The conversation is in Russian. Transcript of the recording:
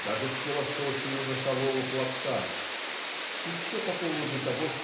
даже в философию носового платка и все по поводу того